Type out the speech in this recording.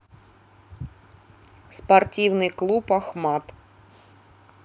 спортивный клуб ахмат